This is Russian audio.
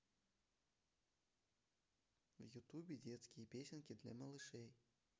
в ютубе детские песенки для малышей